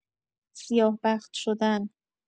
سیاه‌بخت شدن